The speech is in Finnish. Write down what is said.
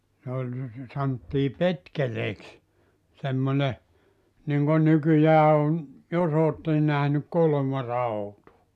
ne oli sanottiin petkeleeksi semmoinen niin kuin nykyään on jos olette nähnyt kolomarautaa